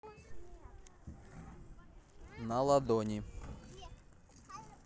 на ладони